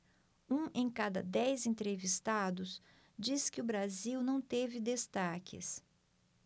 um em cada dez entrevistados disse que o brasil não teve destaques